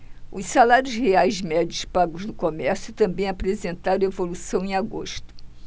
os salários reais médios pagos no comércio também apresentaram evolução em agosto